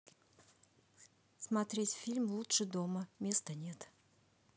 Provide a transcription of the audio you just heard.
смотреть фильм лучше дома места нет